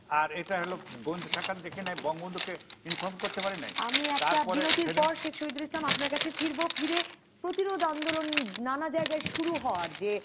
আর এটা হলো গোয়েন্দা শাখা দেখে নেই বঙ্গবন্ধুকে ইনফর্ম করতে পারে নাই আমি একটা তারপরে বিরতির পর শেখ শহিদুল ইসলাম আপনার কাছে ফিরব ফিরে প্রতিরোধ আন্দোলন নানা জায়গায় শুরু হওয়ার যে